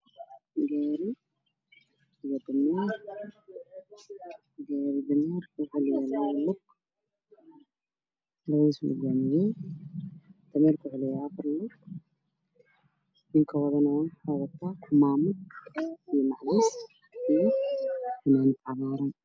Waa gaaar dameer waxaa wado dameer dameerka wuxuu leeyahay afar rugood waxaa wado nin wata cimaamad macmuus fannaanad cagaar